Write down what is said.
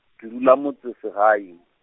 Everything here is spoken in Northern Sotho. ke dula motse segae .